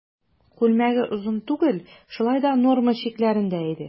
Күлмәге озын түгел, шулай да норма чикләрендә иде.